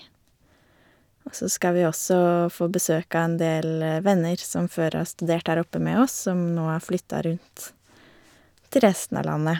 Og så skal vi også få besøk av en del venner som før har studert her oppe med oss, som nå har flytta rundt til resten av landet.